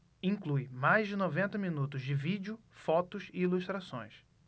inclui mais de noventa minutos de vídeo fotos e ilustrações